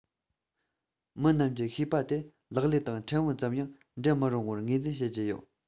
མི རྣམས ཀྱི ཤེས པ དེ ལག ལེན དང ཕྲན བུ ཙམ ཡང འབྲལ མི རུང བར ངོས འཛིན བྱེད ཀྱི ཡོད